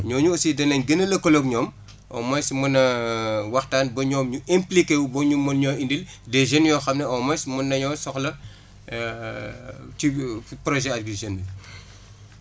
ñooñu aussi danañ gën a lëkkaloo ak ñoomau moins mën a waxtaan ba ñoom ñu impliquer wu ba ñu mën ñoo indil des jeunes yoo xam ne au moins mën nañoo soxla ci projet Agri Jeunes yi